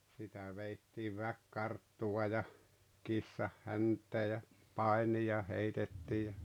sitä vedettiin väkikarttua ja kissanhäntää ja painia heitettiin ja